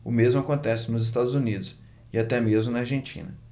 o mesmo acontece nos estados unidos e até mesmo na argentina